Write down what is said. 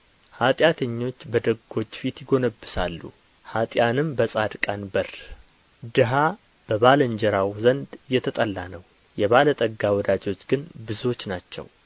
ኃጢአተኞች በደጎች ፊት ይጐነበሳሉ ኀጥኣንም በጻድቃን በር ድሀ በባልንጀራው ዘንድ የተጠላ ነው የባለጠጋ ወዳጆች ግን ብዙዎች ናቸው